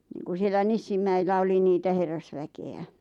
niin kuin siellä Nissinmäillä oli niitä herrasväkeä